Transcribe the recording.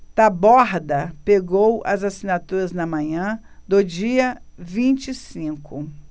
taborda pegou as assinaturas na manhã do dia vinte e cinco